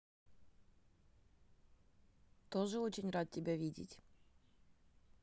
тоже очень рад тебя видеть